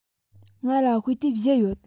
ང ལ དཔེ དེབ བཞི ཡོད